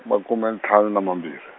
makume ntlhanu na mambirhi.